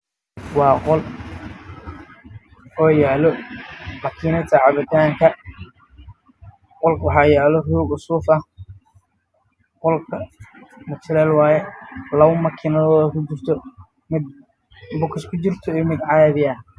Waa makiinadda lagu shido cabitaanka